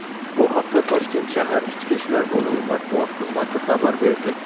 bu haqda toshkent shahar ichki ishlar bolimi matbuot xizmati xabar berdi